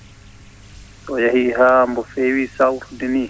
so yahii haa mbo feewi sawtude ni